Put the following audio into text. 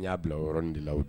N y'a bila yɔrɔɔrɔn nin de la